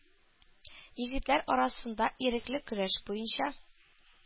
Егетләр арасында ирекле көрәш буенча